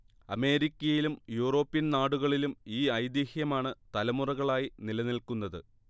അമേരിക്കയിലും യൂറോപ്യൻ നാടുകളിലും ഈ ഐതിഹ്യമാണ് തലമുറകളായി നിലനിൽക്കുന്നത്